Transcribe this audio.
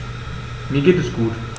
Mir geht es gut.